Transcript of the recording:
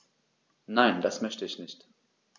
Nein, das möchte ich nicht.